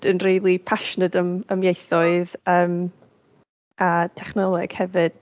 Dwi'n rili passionate am am ieithoedd yym a technoleg hefyd.